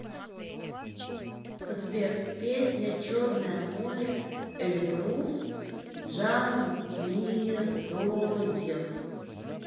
сбер песня черное море эльбрус джанмирзоев